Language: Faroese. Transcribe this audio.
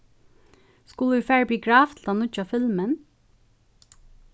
skulu vit fara í biograf til tann nýggja filmin